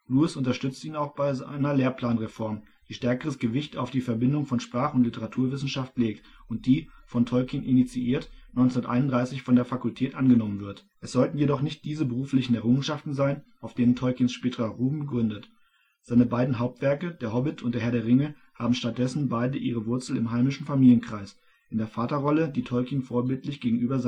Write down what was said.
Lewis unterstützt ihn auch bei einer Lehrplanreform, die stärkeres Gewicht auf die Verbindung von Sprach - und Literaturwissenschaft legt und die, von Tolkien initiiert, 1931 von der Fakultät angenommen wird. Es sollten jedoch nicht diese beruflichen Errungenschaften sein, auf denen Tolkiens späterer Ruhm gründet. Seine beiden Hauptwerke, der Hobbit und der Herr der Ringe haben stattdessen beide ihre Wurzel im heimischen Familienkreis, in der Vaterrolle, die Tolkien vorbildlich gegenüber